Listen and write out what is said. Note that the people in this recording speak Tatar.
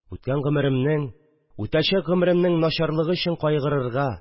Үткән гомеремнең, үтәчәк гомеремнең начарлыгы өчен кайгырырга